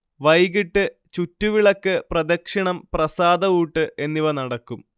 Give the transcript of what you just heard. വൈകീട്ട് ചുറ്റുവിളക്ക്, പ്രദക്ഷിണം, പ്രസാദഊട്ട് എന്നിവ നടക്കും